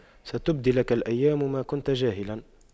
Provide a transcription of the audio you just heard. ستبدي لك الأيام ما كنت جاهلا